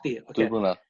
nachdi oce... dwy flynadd